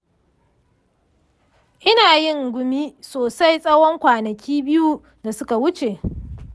ina yin gumi sosai tsawon kwanaki biyu da suka wuce.